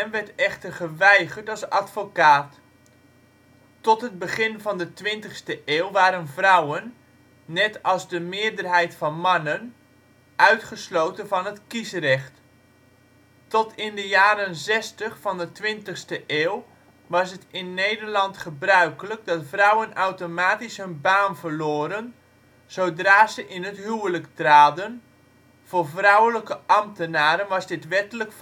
werd echter geweigerd als advocaat. Tot het begin van de twintigste eeuw waren vrouwen (net als de meerderheid van mannen) uitgesloten van het kiesrecht. Tot in de jaren zestig van de twintigste eeuw was het in Nederland gebruikelijk dat vrouwen automatisch hun baan verloren zodra ze in het huwelijk traden, voor vrouwelijke ambtenaren was dit wettelijk